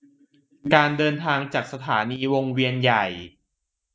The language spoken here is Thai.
การเดินทางจากสถานีวงเวียนใหญ่